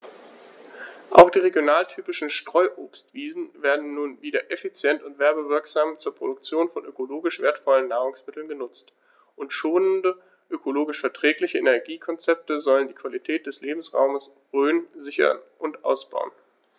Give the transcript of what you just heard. Auch die regionaltypischen Streuobstwiesen werden nun wieder effizient und werbewirksam zur Produktion von ökologisch wertvollen Nahrungsmitteln genutzt, und schonende, ökologisch verträgliche Energiekonzepte sollen die Qualität des Lebensraumes Rhön sichern und ausbauen.